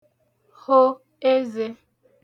ho ezē